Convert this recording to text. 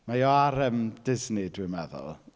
Mae o ar, yym, 'Disney', dwi'n meddwl.